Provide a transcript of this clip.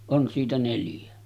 on siitä neljä